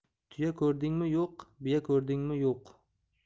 tuya ko'rdingmi yo'q biya ko'rdingmi yo'q